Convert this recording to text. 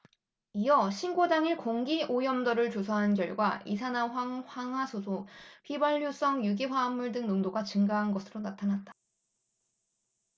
이어 신고 당일 공기오염도를 조사한 결과 이산화황 황화수소 휘발성유기화합물 등 농도가 증가한 것으로 나타났다